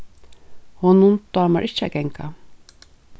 honum dámar ikki at ganga